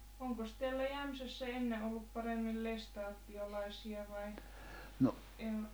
onkos täällä Jämsässä ennen ollut paremmin lestadiolaisia vai -